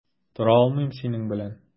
Тора алмыйм синең белән.